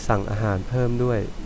สั่งอาหารเพิ่มด้วย